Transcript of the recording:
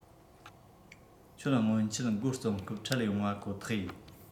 ཁྱོད སྔོན ཆད འགོ རྩོམ སྐབས འཕྲད ཡོང བ ཁོ ཐག ཡིན